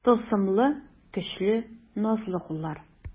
Тылсымлы, көчле, назлы куллар.